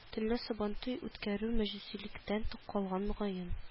Төнлә сабантуй үткәрү мәҗүсилектән калган мөгаен